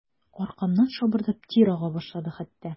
Аркамнан шабырдап тир ага башлады хәтта.